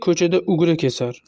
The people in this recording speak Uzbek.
ko'chada ugra kesar